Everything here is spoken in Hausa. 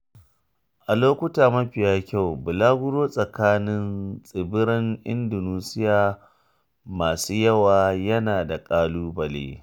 A lokuta mafiya kyau, bulaguro tsakanin tsibiran Indonesiya masu yawa yana da ƙalubale.